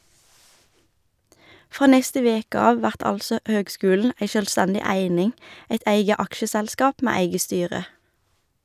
Frå neste veke av vert altså høgskulen ei sjølvstendig eining, eit eige aksjeselskap med eige styre.